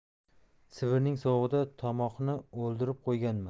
sibirning sovug'ida tomoqni oldirib qo'yganman